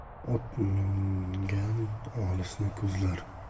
ot mingan olisni ko'zlar